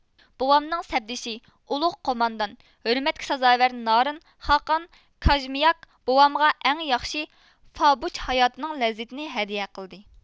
بوۋامنىڭ سەپدىشى ئۇلۇغ قوماندان ھۆرمەتكە سازاۋەر نارىن خاقان كاژېمياك بوۋامغا ئەڭ ياخشى فابۇچ ھاياتنىڭ لەززىتىنى ھەدىيە قىلدى